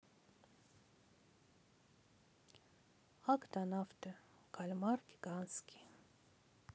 октонавты кальмар гигантский